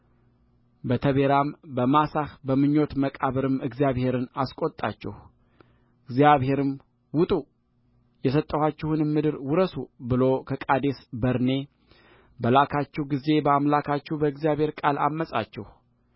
በተቤራም በማሳህም በምኞት መቃብርም እግዚአብሔርን አስቈጣችሁትእግዚአብሔርም ውጡ የሰጠኋችሁንም ምድር ውረሱ ብሎ ከቃዴስ በርኔ በላካችሁ ጊዜ በአምላካችሁ በእግዚአብሔር ቃል ዐመፃችሁ